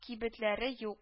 Кибетләре юк